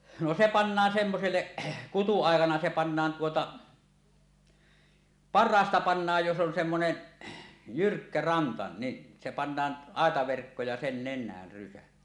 no se pannaan semmoiselle kutuaikana se pannaan tuota parhaasta pannaan jos on semmoinen jyrkkä ranta niin se pannaan aitaverkko ja sen nenään rysä